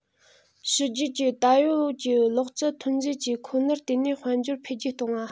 ཕྱི རྒྱལ གྱི ད ཡོད ཀྱི ལག རྩལ ཐོན རྫས བཅས ཁོ ནར བརྟེན ནས དཔལ འབྱོར འཕེལ རྒྱས གཏོང བ